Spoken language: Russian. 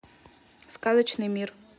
сказочный мир